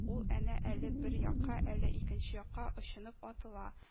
Ул, әнә, әле бер якка, әле икенче якка очынып атыла